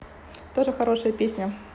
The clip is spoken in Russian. тоже хорошая песня